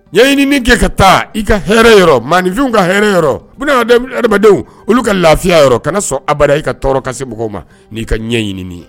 Ɲɛɲɲiniini kɛ ka taa i ka hɛrɛ yɔrɔ maafinw ka hɛrɛ yɔrɔdenw olu ka lafiya yɔrɔ kana sɔn a i ka tɔɔrɔ ka se mɔgɔw ma n' ka ɲɛɲiniini ye